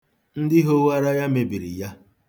Ndị hoghara ya mebiri ya.